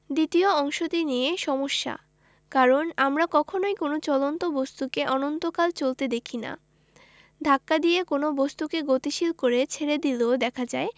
দ্বিতীয় অংশটি নিয়ে সমস্যা কারণ আমরা কখনোই কোনো চলন্ত বস্তুকে অনন্তকাল চলতে দেখি না ধাক্কা দিয়ে কোনো বস্তুকে গতিশীল করে ছেড়ে দিলেও দেখা যায়